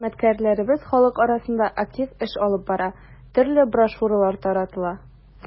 Хезмәткәрләребез халык арасында актив эш алып бара, төрле брошюралар таратыла.